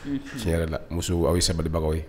Tiɲɛ yɛrɛ la musow aw ye sabalibagaw ye